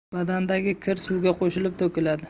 badandagi kir suvga qo'shilib to'kiladi